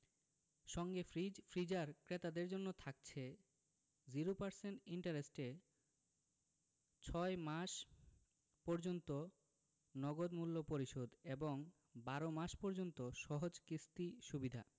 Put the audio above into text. সঙ্গে fridge freezer ক্রেতাদের জন্য থাকছে ০% ইন্টারেস্টে ৬ মাস পর্যন্ত নগদ মূল্য পরিশোধ এবং ১২ মাস পর্যন্ত সহজ কিস্তি সুবিধা